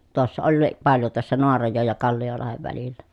tuossa olikin paljon tuossa Naarajoen ja Kalliolahden välillä